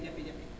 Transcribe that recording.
ay jafe-jafe la